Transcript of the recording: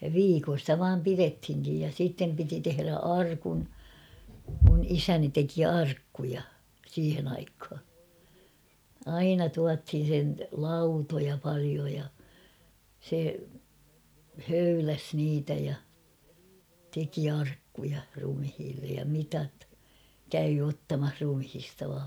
ja viikon sitä vain pidettiinkin ja sitten piti tehdä arkun minun isäni teki arkkuja siihen aikaan aina tuotiin sen lautoja paljon ja se höyläsi niitä ja teki arkkuja ruumiille ja mitat kävi ottamassa ruumiista vain